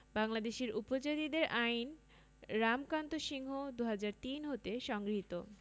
বাংলাদেশের উপজাতিদের আইন রামকান্ত সিংহ ২০০৩ হতে সংগৃহীত